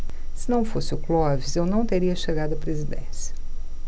se não fosse o clóvis eu não teria chegado à presidência